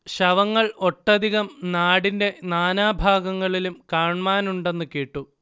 ശവങ്ങൾ ഒട്ടധികം നാടിന്റെ നാനാഭാഗങ്ങളിലും കാൺമാനുണ്ടെന്നു കേട്ടു